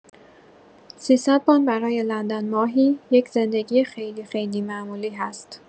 ۳۰۰ پوند برای لندن ماهی یک زندگی خیلی خیلی معمولی هست.